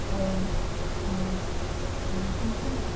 Yym a wnawn ni weld chi wythnos nesaf?